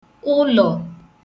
ụlọ̀